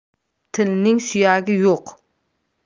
tilning suyagi yo'q